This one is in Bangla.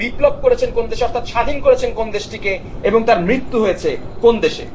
বিপ্লব করেছেন কোন দেশে অর্থাৎ স্বাধীন করেছেন কোন দেশটিকে এবং তার মৃত্যু হয়েছে কোন দেশ এ